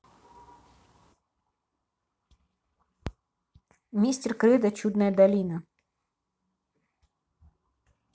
мистер кредо чудная долина